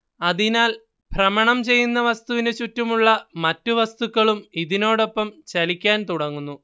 അതിനാൽ ഭ്രമണം ചെയ്യുന്ന വസ്തുവിനു ചുറ്റുമുള്ള മറ്റു വസ്തുക്കളും ഇതിനോടൊപ്പം ചലിക്കാൻ തുടങ്ങുന്നു